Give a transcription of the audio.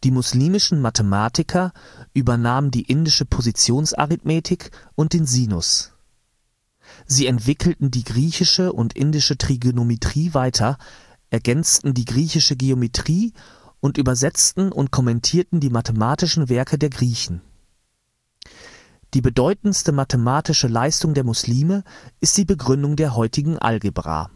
muslimischen Mathematiker übernahmen die indische Positionsarithmetik und den Sinus und entwickelten die griechische und indische Trigonometrie weiter, ergänzten die griechische Geometrie und übersetzten und kommentierten die mathematischen Werke der Griechen. Die bedeutendste mathematische Leistung der Muslime ist die Begründung der heutigen Algebra